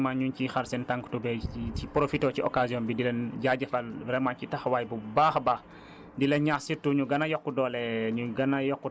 te am naa yaakaar ne baykat yi ñu ci tànn vraiment ñu ngi ciy xar seen tànku tubéy ci ci profité ci occasion bi di leen jaajëfal vraiment ci taxawaay bu baax a baax